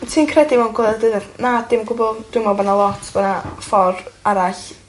Wyt ti'n credu mewn gwleidyddiaeth? Na dim o gwbwl dwi'n me'wl bo' 'na lot fatha ffordd eraill